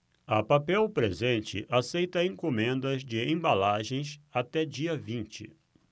a papel presente aceita encomendas de embalagens até dia vinte